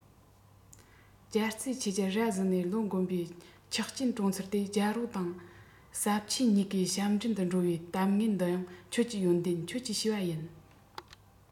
རྒྱལ རྩེ ཆོས རྒྱལ ར བཟི ནས རླུང བསྒོམས པས འཁྱགས རྐྱེན གྲོངས ཚུལ དེ རྒྱལ པོ དང ཟབ ཆོས གཉིས ཀའི ཞབས འདྲེན དུ འགྲོ བའི གཏམ ངན འདི ཡང ཁྱོད ཀྱི ཡོན ཏན ཁྱོད ཀྱི བྱས པ ཡིན